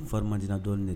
Farir madina dɔɔnin dɛɛ dɛ